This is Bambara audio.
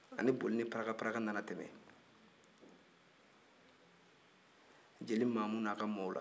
a ni boli ni parakaparaka nana tɛmɛ jeli mamu n'a ka maaw la